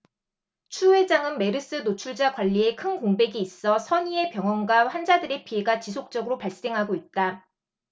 추 회장은 메르스 노출자 관리에 큰 공백이 있어 선의의 병원과 환자들의 피해가 지속적으로 발생하고 있다